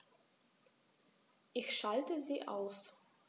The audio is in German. Ich schalte sie aus.